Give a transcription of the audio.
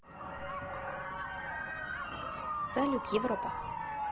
салют европа